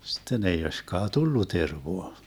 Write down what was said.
sitten ei olisikaan tullut tervaa